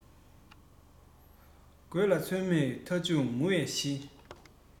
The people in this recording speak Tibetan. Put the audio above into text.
ལས ལ ཚོད མེད ཐ མ ཕང བའི གཞི